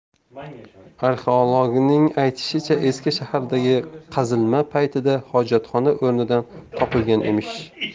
arxeologning aytishicha eski shahardagi qazilma paytida hojatxona o'rnidan topilgan emish